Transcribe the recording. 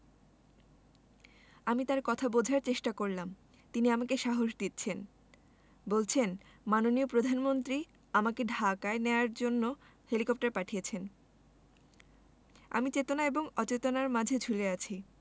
আমি তার কথা বোঝার চেষ্টা করলাম তিনি আমাকে সাহস দিচ্ছেন বলছেন মাননীয় প্রধানমন্ত্রী আমাকে ঢাকায় নেওয়ার জন্য হেলিকপ্টার পাঠিয়েছেন আমি চেতনা এবং অচেতনার মাঝে ঝুলে আছি